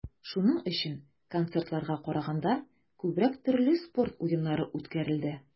Шуның өчен, концертларга караганда, күбрәк төрле спорт уеннары үткәрелде.